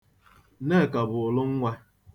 Nneka bụ ụlụ nwa.